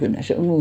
kyllä minä sen -